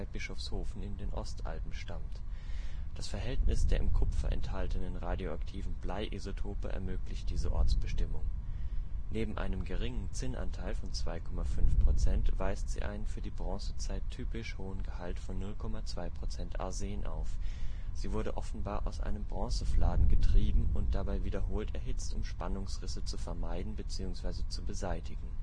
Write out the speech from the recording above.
Bischofshofen in den Ostalpen stammt. Das Verhältnis der im Kupfer enthaltenen radioaktiven Blei-Isotope ermöglicht diese Ortsbestimmung. Neben einem geringen Zinnanteil von 2,5 Prozent weist sie einen für die Bronzezeit typisch hohen Gehalt von 0,2 Prozent Arsen auf. Sie wurde offenbar aus einem Bronzefladen getrieben und dabei wiederholt erhitzt, um Spannungsrisse zu vermeiden bzw. zu beseitigen